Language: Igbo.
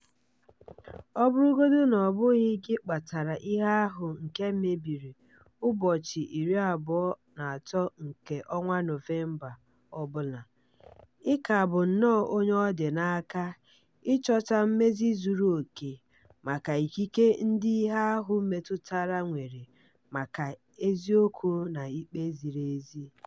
Ọ bụrụgodị na ọ bụghị gị kpatara ihe ahụ nke mebiri ụbọchị 28 nke Nọvemba ọ bụla, ị ka bụ nnọọ onye ọ dị n'aka ịchọta mmezi zuru oke maka ikike ndị ihe ahụ metụtara nwere maka eziokwu na ikpe ziri ezi ...